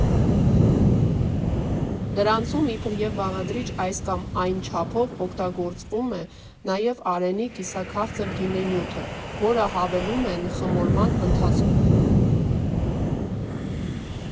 Դրանցում իբրև բաղադրիչ այս կամ այն չափով օգտագործվում է նաև Արենի կիսաքաղցր գինենյութը, որը հավելում են խմորման ընթացքում։